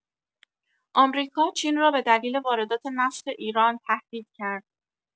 آمریکا، چین را به دلیل واردات نفت ایران تهدید کرد